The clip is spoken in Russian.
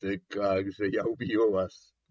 да как же я убью вас?